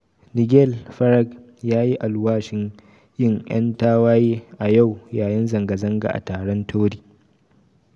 Nigel Farage ya yi alwashin yin 'yan tawaye a yau yayin zanga-zanga a taron Tory.